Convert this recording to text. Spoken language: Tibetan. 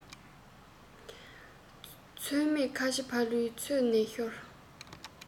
ཚོད མེད ཁ ཆེ ཕ ལུའི ཚོད ནས ཤོར